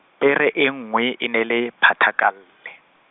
pere e nngwe, e ne e le, Phathakalle.